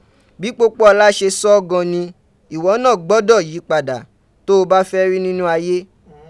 Bí Pópóọlá ṣe sọ ọ́ gan an ni, ìwọ náà gbọ́dọ̀ yí padà tó o bá fẹ́ rí nínú ayé.